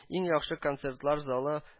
Иң яхшы концертлар залы